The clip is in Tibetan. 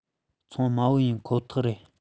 བཙོང དམའ པོ ཡིན ཁོ ཐག རེད